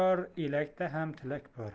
elakda tilak bor